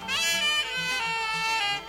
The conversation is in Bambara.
Hɛrɛ